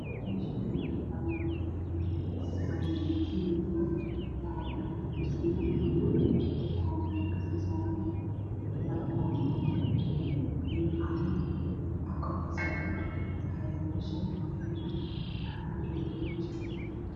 Meshni wa mel bana oo cadana aH waxaa yala digsi madow ah waxaa ku dahx jiro suuga gaduudan wxaa dusha kasii sasan maraq oo cadan ah iyo caleen aa korkasara waxa yalo shapaq dahpi ah waxa ku jir roti